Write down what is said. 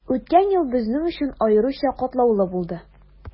Үткән ел безнең өчен аеруча катлаулы булды.